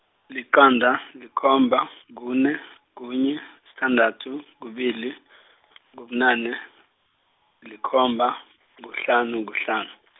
liqanda, likhomba, kune, kunye, sithandathu, kubili, kubunane, likhomba, kuhlanu, kuhlanu.